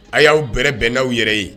A' y'aw bɛrɛbɛn n'aw yɛrɛ ye.